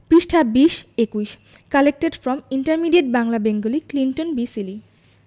পৃষ্ঠাঃ ২০ ২১ collected from intermediate Bangla Bengali Clinton B Seely